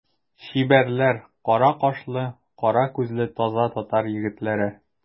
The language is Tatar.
Чибәрләр, кара кашлы, кара күзле таза татар егетләре.